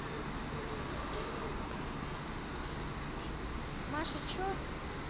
маша че